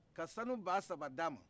ka sanu ba saba d'a ma